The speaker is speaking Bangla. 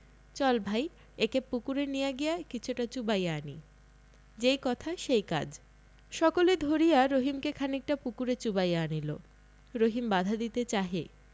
চল ভাই একে পুকুরে লইয়া গিয়া কিছুটা চুবাইয়া আনি যেই কথা সেই কাজ সকলে ধরিয়া রহিমকে খনিকটা পুকুরে চুবাইয়া আনিল রহিম বাধা দিতে চাহে